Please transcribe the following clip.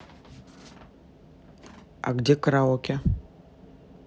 а где караоке